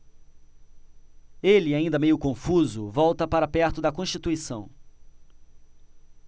ele ainda meio confuso volta para perto de constituição